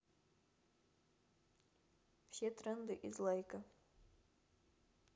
все тренды из лайка